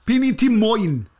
P'un un ti moyn?